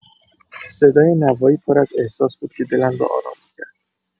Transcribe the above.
صدای نوایی پر از احساس بود که دلم را آرام کرد.